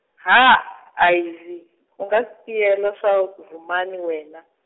ha, Ivy, u nga swi tiyela swa ku Vhumani wena?